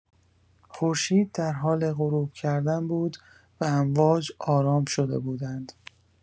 خورشید در حال غروب کردن بود و امواج آرام شده بودند.